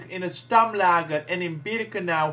in het Stammlager en in Birkenau